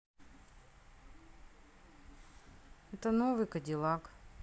это новый кадиллак